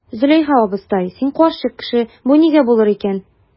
Зөләйха абыстай, син карчык кеше, бу нигә булыр икән?